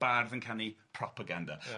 bardd yn canu propaganda... Ia.